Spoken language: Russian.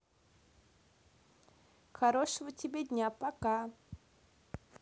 хорошего тебе дня пока